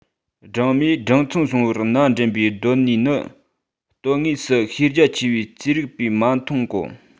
སྦྲང མས སྦྲང ཚང བཟོ བར སྣ འདྲེན པའི གདོད ནུས ནི དོན དངོས སུ ཤེས རྒྱ ཆེ བའི རྩིས རིག པས མ མཐོང གོང